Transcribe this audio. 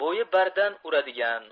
bo'yi bardan uradigan